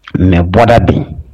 Mɛ bɔra bin